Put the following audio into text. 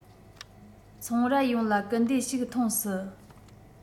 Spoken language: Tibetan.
ཚོང རྭ ཡོངས ལ སྐུལ འདེད ཞིག ཐོན སྲིད